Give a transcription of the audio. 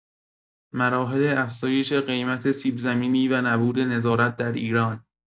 مراحل افزایش قیمت سیب‌زمینی و نبود نظارت در ایران